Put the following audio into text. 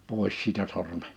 pois siitä sormet